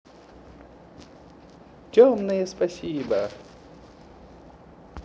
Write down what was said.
темное спасибо